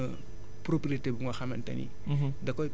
moom am na propriété bu nga xamante ni